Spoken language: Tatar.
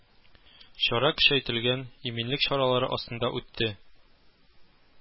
Чара көчәйтелгән иминлек чаралары астында үтте